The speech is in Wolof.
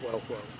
waaw waaw